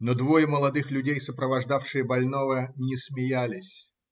Но двое молодых людей, сопровождавшие больного, не смеялись